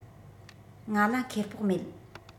ང ལ ཁེ སྤོགས མེད